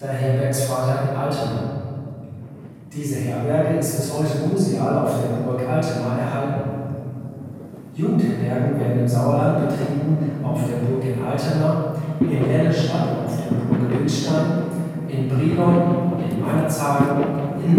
Herbergsvater in Altena. Diese Herberge ist bis heute museal auf der Burg Altena erhalten. Jugendherbergen werden im Sauerland betrieben auf der Burg in Altena, in Lennestadt auf der Burg Bilstein, in Brilon, in Meinerzhagen, in